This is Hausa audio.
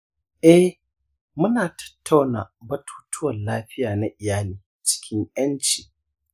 eh, muna tattauna batutuwan lafiya na iyali cikin 'yanci.